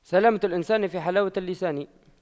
سلامة الإنسان في حلاوة اللسان